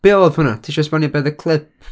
Be oedd hwnna? Ti isio esbonio be oedd y clip?